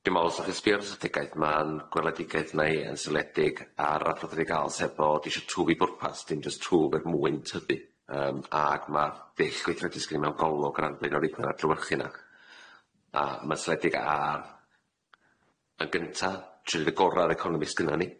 Dwi me'wl os dachi'n sbïo ar y stretegaeth ma'n gweleidigaeth neu' yn seiliedig ar- o twf i bwrpas dim jyst twf er mwyn tyfu yym ag ma'r dull gweithredu sgen'i mewn golwg o ran blaenoreutha adlewyrchu 'na a ma'n seiliedig ar yn gynta trio neud y gora o'r economi sgynna ni.